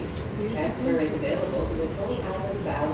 tað er ikki tín skyld